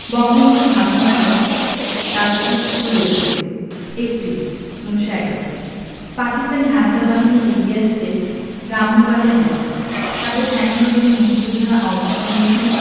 বঙ্গবন্ধুর ভাষণ শুনে তাঁর বুক ফুলে ওঠে এপ্রিল ১৯৭১ পাকিস্তানি হানাদার বাহিনী এগিয়ে আসছে ব্রাহ্মনবাড়িয়ার দিকে তাদের ঠেকানোর জন্য মুক্তিযোদ্ধারা অবস্থান নিয়েছেন